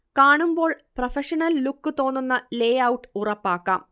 കാണുമ്പോൾ professional look തോന്നുന്ന layout ഉറപ്പാക്കാം